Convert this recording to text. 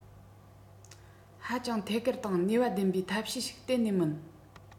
ཧ ཅང ཐད ཀར དང ནུས པ ལྡན པའི ཐབས ཤེས ཞིག གཏན ནས མིན